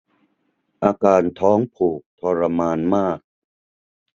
อาการท้องผูกทรมานมาก